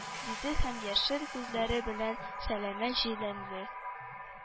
Диде һәм яшел күзләре белән сәләмә җиләнле